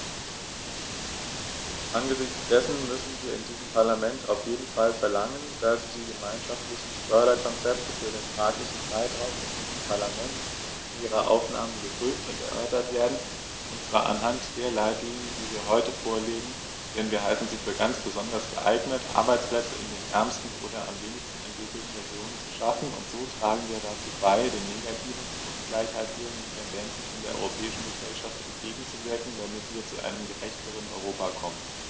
Angesichts dessen müssen wir in diesem Parlament auf jeden Fall verlangen, dass die gemeinschaftlichen Förderkonzepte für den fraglichen Zeitraum in diesem Parlament vor ihrer Annahme geprüft und erörtert werden, und zwar anhand der Leitlinien, die wir heute vorlegen, denn wir halten sie für ganz besonders geeignet, Arbeitsplätze in den ärmsten oder am wenigsten entwickelten Regionen zu schaffen, und so tragen wir dazu bei, den negativen, zur Ungleichheit führenden Tendenzen in der europäischen Gesellschaft entgegenzuwirken, damit wir zu einem gerechteren Europa kommen.